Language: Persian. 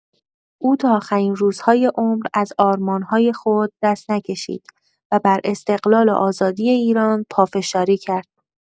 او تا آخرین روزهای عمر از آرمان‌های خود دست نکشید و بر استقلال و آزادی ایران پافشاری کرد.